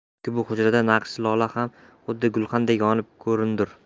chunki bu hujrada naqshi lola ham xuddi gulxandek yonib ko'rinur